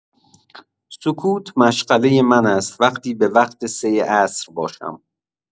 سکوت مشغلۀ من است وقتی به وقت سه عصر باشم.